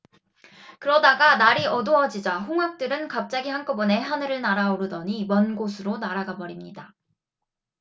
그러다가 날이 어두워지자 홍학들은 갑자기 한꺼번에 하늘로 날아오르더니 먼 곳으로 날아가 버립니다